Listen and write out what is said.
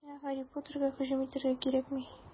Сиңа Һарри Поттерга һөҗүм итәргә кирәкми.